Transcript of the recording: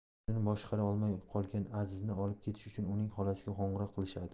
o'zini boshqara olmay qolgan azizni olib ketishi uchun uning xolasiga qo'ng'iroq qilishadi